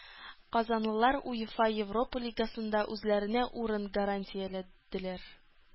Казанлылар УЕФА Европа Лигасында үзләренә урын гарантияләделәр.